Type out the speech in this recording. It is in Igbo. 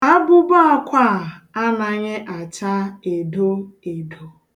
Abụbọ akwa a anaghị acha edoedo.